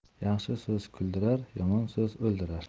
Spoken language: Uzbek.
yaxshi so'z kuldirar yomon so'z o'ldirar